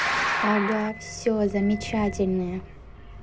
ага все замечательные